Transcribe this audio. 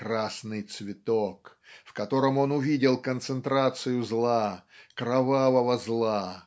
красный цветок, в котором он увидел концентрацию зла, кровавого зла.